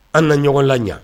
An na ɲɔgɔn la ɲɛ